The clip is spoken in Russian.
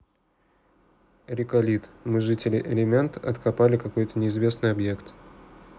риколит мы жители элемент откопали какой то неизвестный объект